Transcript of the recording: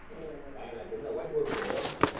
bạn này cũng là quán quân của